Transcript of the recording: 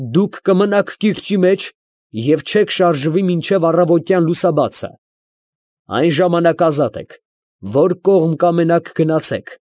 Դուք կմնաք կիրճի մեջ և չեք շարժվի մինչև առավոտյան լուսաբացը. այն ժամանակ ազատ եք, որ կողմ կամենաք, գնացեք։